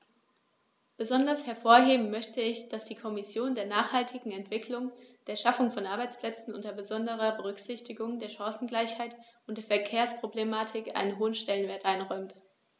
Besonders hervorheben möchte ich, dass die Kommission der nachhaltigen Entwicklung, der Schaffung von Arbeitsplätzen unter besonderer Berücksichtigung der Chancengleichheit und der Verkehrsproblematik einen hohen Stellenwert einräumt.